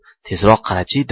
tezroq qara chi